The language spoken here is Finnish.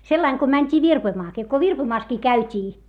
sellainen kun mentiin virpomaankin kun virpomassakin käytiin